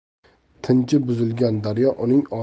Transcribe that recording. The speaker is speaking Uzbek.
tinchi buzilgan daryo uning